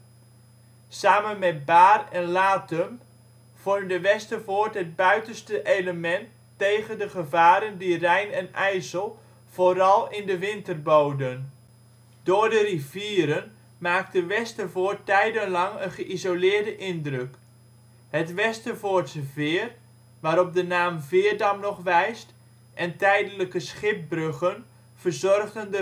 Samen met Bahr en Lathum vormde Westervoort het buitenste element tegen de gevaren die Rijn en IJssel vooral in de winter boden. Door de rivieren maakte Westervoort tijdenlang een geïsoleerde indruk. Het Westervoortse veer (waarop de naam Veerdam nog wijst) en tijdelijke schipbruggen verzorgden